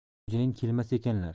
xo'jayin kelmas ekanlar